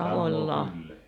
samaa kylää